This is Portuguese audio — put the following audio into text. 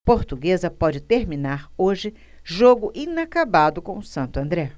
portuguesa pode terminar hoje jogo inacabado com o santo andré